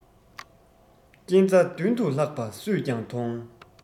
རྐྱེན རྩ མདུན དུ ལྷག པ སུས ཀྱང མཐོང